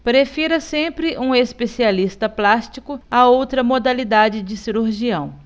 prefira sempre um especialista plástico a outra modalidade de cirurgião